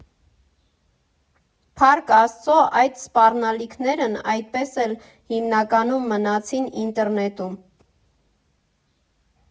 Փառք Աստծո, այդ սպառնալիքներն այդպես էլ հիմնականում մնացին ինտերնետում։